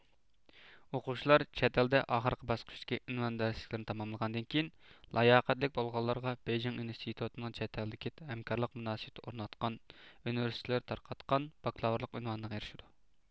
ئوقۇغۇچىلار چەتئەلدە ئاخىرقى باسقۇچتىكى ئۇنۋان دەرسلىكلىرىنى تاماملىغاندىن كېيىن لاياقەتلىك بولغانلارغا بېيجىڭ ئىنستىتوتىنىڭ چەتئەلدىكى ھەمكارلىق مۇناسىۋىتى ئورناتقان ئۇنۋېرستېتلىرى تارقاتقان باكلاۋۇرلۇق ئۇنۋانىغا ئېرىشىدۇ